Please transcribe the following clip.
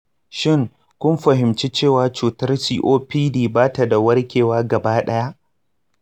shin kun fahimci cewa cutar copd ba ta warkewa gaba ɗaya?